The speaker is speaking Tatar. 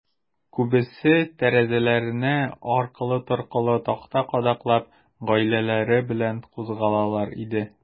Күбесе, тәрәзәләренә аркылы-торкылы такта кадаклап, гаиләләре белән кузгалалар иде.